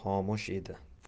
hamon xomush edi